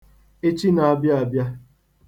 echi naabịa abịa